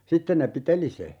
sitten ne piteli sen